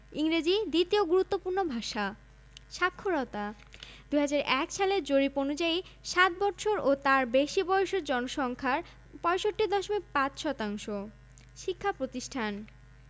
ইংরেজি দ্বিতীয় গুরুত্বপূর্ণ ভাষা সাক্ষরতাঃ ২০০১ সালের জরিপ অনুযায়ী সাত বৎসর ও তার বেশি বয়সের জনসংখ্যার ৬৫.৫ শতাংশ শিক্ষাপ্রতিষ্ঠানঃ